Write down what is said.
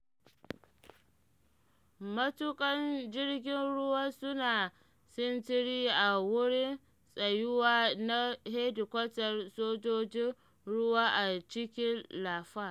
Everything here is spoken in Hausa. Matuƙan jirgin ruwa suna sintiri a wurin tsayuwa na hedikwatar sojojin ruwa a cikin La Paz.